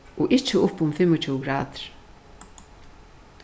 og ikki upp um fimmogtjúgu gradir